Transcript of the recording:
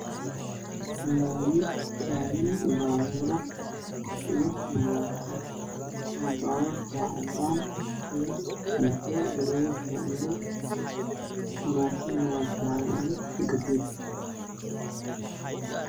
Waa wado waxaa maraayo gaari cadaan